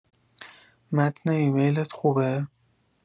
متن ایملت خوبه؟